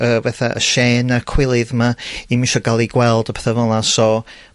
yy fetha, y shame a'r cwilydd 'ma, 'im isio ga'l 'i gweld a petha fel: y petha fel 'na so